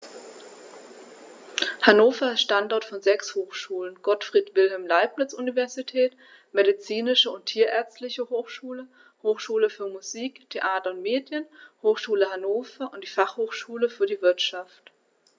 Hannover ist Standort von sechs Hochschulen: Gottfried Wilhelm Leibniz Universität, Medizinische und Tierärztliche Hochschule, Hochschule für Musik, Theater und Medien, Hochschule Hannover und die Fachhochschule für die Wirtschaft.